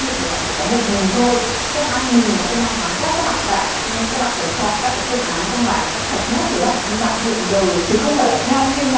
thì bạn chỉ có một mình thôi không ai nhìn và không ai phán xét các bạn cả thế cho nên các bạn cần chọn các cái phương án trong bài một cách thật nhất với bản thân bạn hiện giờ chứ không phải là theo phiên bản